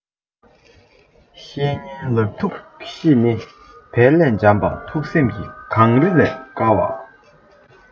བཤེས གཉེན ལགས ཐུགས གཤིས ནི བལ ལས འཇམ པ ཐུགས སེམས ནི གངས རི ལས དཀར བ